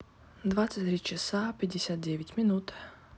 двадцать три часа пятьдесят девять минут